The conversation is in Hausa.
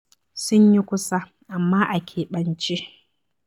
Sun yi kusa, amma a keɓance